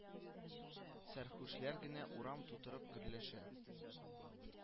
Сәрхүшләр генә урам тутырып гөрләшә